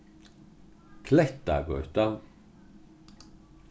klettagøta